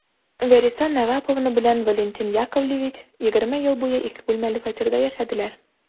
Вәриса Наваповна белән Валентин Яковлевич егерме ел буе ике бүлмәле фатирда яшәделәр.